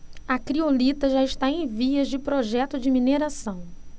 a criolita já está em vias de projeto de mineração